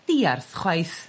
diarth chwaith.